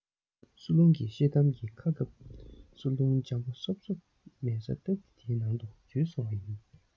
གསོ རླུང གི ཤེལ དམ གྱི ཁ བཀབ གསོ རླུང འཇམ པོ སོབ སོབ མལ ས སྟབས བདེ དེའི ནང དུ འཛུལ སོང བ ཡིན